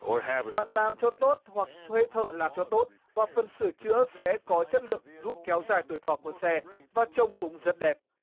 bạn làm cho tốt hoặc thuê thợ làm cho tốt và phần sửa chữa sẽ có chất lượng giúp kéo dài tuổi thọ của xe và trông cũng rất đẹp